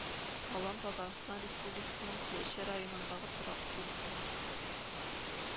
Алан Татарстан Республикасының Теләче районындагы торак пункт